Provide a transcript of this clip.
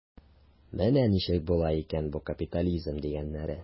Менә ничек була икән бу капитализм дигәннәре.